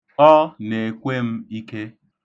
Ọ na-ekwe m ike.